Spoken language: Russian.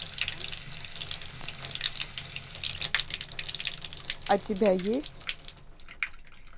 а тебя есть